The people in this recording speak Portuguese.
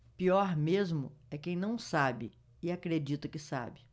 pior mesmo é quem não sabe e acredita que sabe